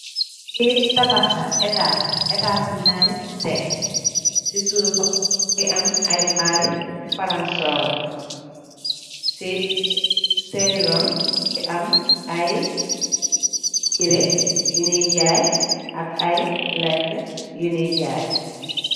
Li tabakh la etanse ci nyarri dek si suff mungi am aye mbari palan surr si sen ron mungi am aye yereh yunyuy jaye ak aye lekuh yunyuy jaye